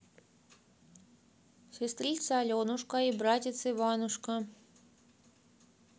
сестрица аленушка и братец иванушка